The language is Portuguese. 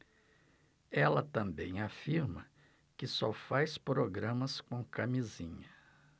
ela também afirma que só faz programas com camisinha